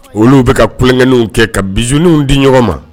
Olu bɛ ka tulonkɛninw kɛ bizuninw di ɲɔgɔn ma